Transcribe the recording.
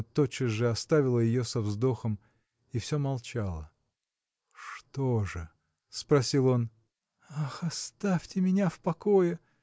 но тотчас же оставила ее со вздохом и все молчала. – Что же? – спросил он. – Ах, оставьте меня в покое!